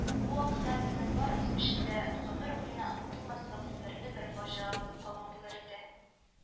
Бу вакыйга безнең барыбыз өчен дә гомер буена онытылмаслык серле бер фаҗига булып калган булыр иде